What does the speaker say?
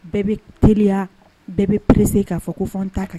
Bɛɛ bɛ teliya bɛɛ bɛ perese k'a fɔ ko fa ta kan